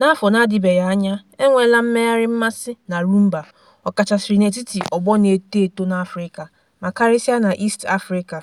N'afọ na-adịbeghị anya, e nweela mmegharị mmasị na Rhumba, ọkachasịrị n'etiti ọgbọ na-eto eto n'Afrịka ma karịsịa na East Africa.